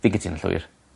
Fi'n gytuno llwyr.